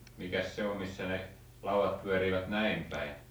mikäs se on missä ne laudat pyörivät näin päin